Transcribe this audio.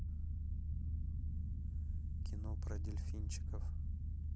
кино про дельфинчиков